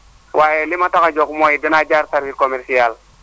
waaye li ma tax a jóg mooy dinaa jaar service commercial